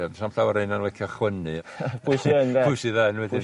sna'm llawer un yn licio chwynnu . Pwy sy yn 'de? Pwy sydd yn wedyn...